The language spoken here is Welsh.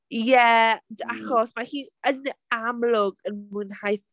Ie, achos mae hi yn amlwg yn mwynhau...